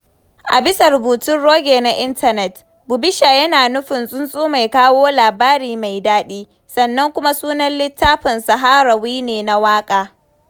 A bisa rubutun Roge na intanet, Bubisher yana nufin '' tsuntsu mai kawo labari mai daɗi'', sannan kuma sunan littafin Saharaui ne na waƙa.